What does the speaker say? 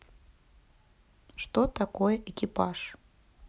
что такое экипаж